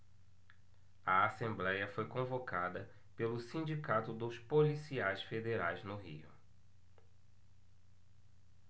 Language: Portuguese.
a assembléia foi convocada pelo sindicato dos policiais federais no rio